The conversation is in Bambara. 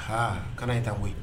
Haa, kana in taa koyi